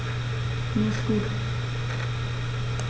Mir ist gut.